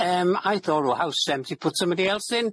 Erm, I thought, well house is empty, put somebody else in.